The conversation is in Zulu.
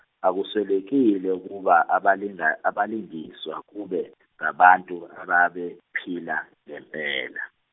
akuswelekile ukuba abalinga- abalingiswa kube ngabantu ababephila ngempela.